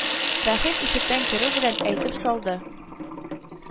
Рәхим ишектән керү белән әйтеп салды: